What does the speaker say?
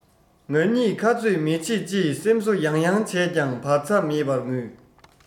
ང གཉིས ཁ རྩོད མི བྱེད ཅེས སེམས གསོ ཡང ཡང བྱས ཀྱང བར མཚམས མེད པར ངུས